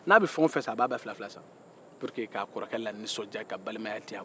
n'a bɛ fɛn o fɛn san a b'a bɛe kɛ filafila ye pour que ka kɔrɔkɛ lanisɔndiya ka balimaya diya